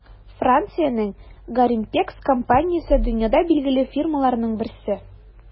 Франциянең Gorimpex компаниясе - дөньяда билгеле фирмаларның берсе.